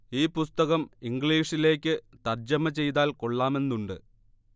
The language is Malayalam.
ഈ പുസ്തകം ഇംഗ്ലീഷിലേക്ക് തർജ്ജമ ചെയ്താൽ കൊള്ളാമെന്നുണ്ട്